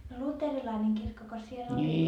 no luterilainen kirkkoko siellä olikin